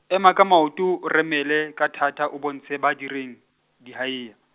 ema ka maoto o remele, ka thata o bontshe ba direng, dihaeya.